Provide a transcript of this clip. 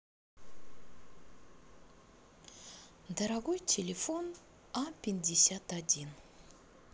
дорогой телефон а пятьдесят один